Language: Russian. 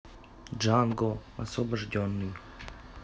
джанго освобожденный